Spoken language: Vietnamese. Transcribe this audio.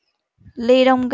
lee dong